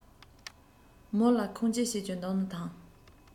མོ ལ ཁུངས སྐྱེལ བྱེད རྒྱུ འདུག ན དང